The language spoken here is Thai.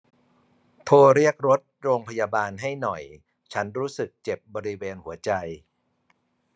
โทรเรียกรถโรงพยาบาลให้หน่อยฉันรู้สึกเจ็บบริเวณหัวใจ